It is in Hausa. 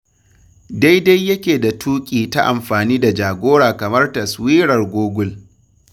Daidai yake da tuƙi ta amfani da jagora kamar Taswirar Google.